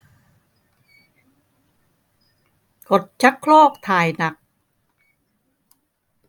กดชักโครกถ่ายหนัก